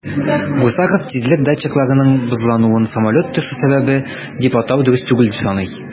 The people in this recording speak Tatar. Гусаров тизлек датчикларының бозлануын самолет төшү сәбәбе дип атау дөрес түгел дип саный.